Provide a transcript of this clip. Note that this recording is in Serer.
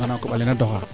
manam a koɓale na doxa